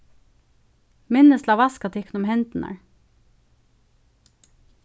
minnist til at vaska tykkum um hendurnar